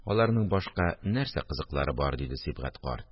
Аларның башка нәрсә кызыклары бар? – диде Сибгать карт